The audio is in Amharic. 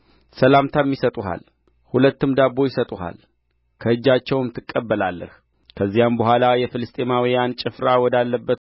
ሰላምታም ይሰጡሃል ሁለትም ዳቦ ይሰጡሃል ከእጃቸውም ትቀበላለህ ከዚያም በኋላ የፍልስጥኤማውያን ጭፍራ ወዳለበት